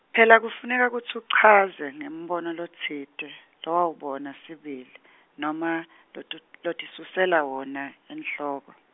phela kufuneka kutsi uchaze ngembono lotsite lowawubona sibili noma lotot- lotisusela wona enhloko.